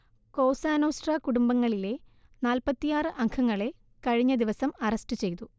Cosa Nostra കുടുംബങ്ങളിലെ നാൽപത്തിയാറ്‌ അംഗങ്ങളെ കഴിഞ്ഞദിവസം അറസ്റ്റ് ചെയ്തു